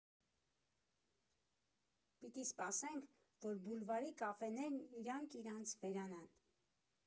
Պիտի սպասենք, որ Բուլվարի կաֆեներն իրանք իրանց վերանան։